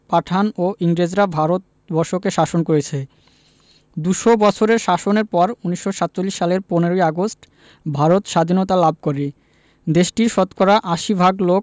পাঠান ও ইংরেজরা ভারত বর্ষকে শাসন করেছে দু'শ বছরের শাসনের পর ১৯৪৭ সালের ১৫ ই আগস্ট ভারত সাধীনতা লাভ করেদেশটির শতকরা ৮০ ভাগ লোক